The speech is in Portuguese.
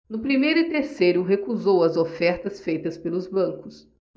no primeiro e terceiro recusou as ofertas feitas pelos bancos